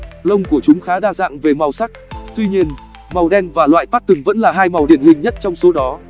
lông của chúng khá đa dạng về màu sắc tuy nhiên màu đen và loại patten vẫn là hai màu điển hình nhất trong số đó